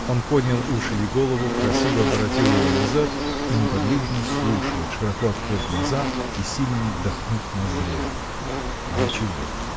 Он поднял уши и голову, красиво оборотил ее назад и неподвижно слушает, широко открыв глаза и сильно дохнув ноздрями. Ничего.